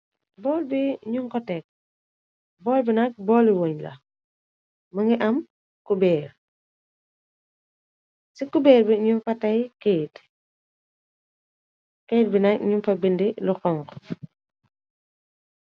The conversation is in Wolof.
Borl bii njung kor tek, borl bii nak borli weungh la mungy am couberre, cii couberre bii njung fa tahyy keit, keit bii nak njung fa bindu lu honhu.